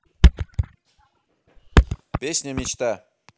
песня мечта